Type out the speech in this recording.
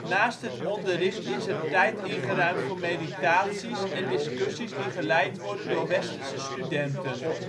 Naast het onderricht is er tijd ingeruimd voor meditaties en discussies die geleid worden door westerse studenten